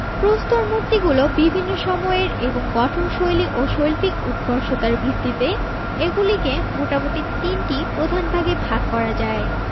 প্রস্তর মূর্তিগুলো বিভিন্ন সময়ের এবং গঠনশৈলী ও শৈল্পিক উৎকর্ষতার ভিত্তিতে এগুলিকে মোটামোটি তিনটি প্রধান ভাগে ভাগ করা যায়